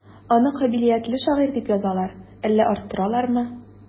Аны кабилиятле шагыйрь дип язалар, әллә арттыралармы?